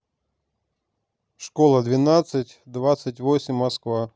школа двенадцать двадцать восемь москва